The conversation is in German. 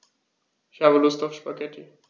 Ich habe Lust auf Spaghetti.